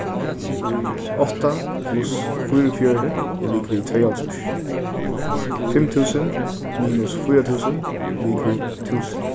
átta pluss fýraogfjøruti er ligvið tveyoghálvtrýss fimm túsund minus fýra túsund ligvið túsund